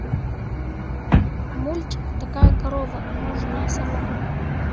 мультик такая корова нужна самому